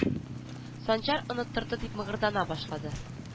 Санчар оныттырды дип мыгырдана башлады